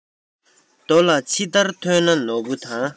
རྡོ ལ ཕྱི བདར ཐོན ན ནོར བུ དང